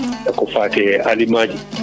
eko fate aliment ji